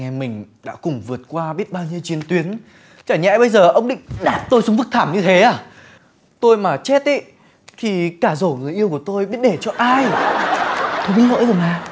anh em mình đã cùng vượt qua biết bao nhiêu chiến tuyến chả nhẽ bây giờ ông định đạp tôi xuống vực thẳm như thế à tôi mà chết ấy thì cả rổ người yêu của tôi biết để cho ai tôi biết lỗi rồi mà